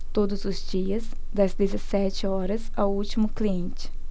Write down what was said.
todos os dias das dezessete horas ao último cliente